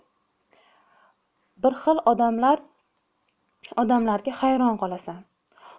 bir xil odamlarga hayron qolasan